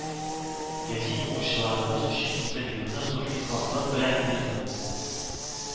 Гәзит укучыларыбыз өчен интервьюны зур ихласлык белән бирде